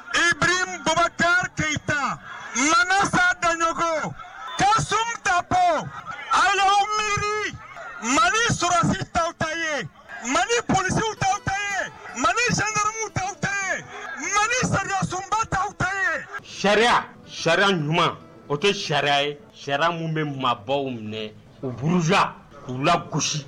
I bitayita ta ma sadaɲɔgɔn ka sunta ala mi mali ssi tɔw ta ye mali pw tɛ mali sakamu tɛ mali sa sunba tɛ sariya sariya ɲuman o kɛ sariya ye sariya minnu bɛ mabɔbaww minɛ u buruz z uu la gosi